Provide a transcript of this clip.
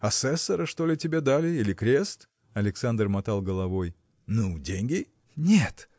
Асессора, что ли, тебе дали или крест? Александр мотал головой. – Ну, деньги? – Нет.